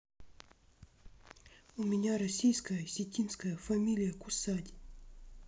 у меня российская осетинская фамилия кусать